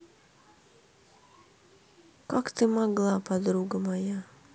как ты могла подруга моя